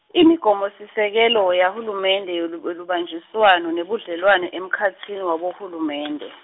Imigomosisekelo yahulumende welu- welubanjiswano nebudlelwano emkhatsini wabohulumende.